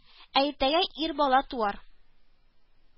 Ә иртәгә ир бала туар